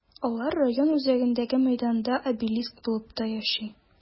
Алар район үзәгендәге мәйданда обелиск булып та яши.